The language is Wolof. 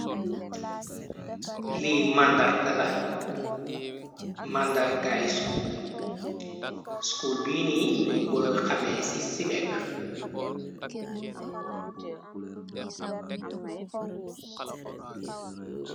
Li mandarla mandar gaay schuul. Schuul biiniyi ñunko xamée ci sibek.